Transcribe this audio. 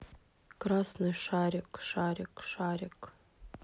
красный шарик шарик шарик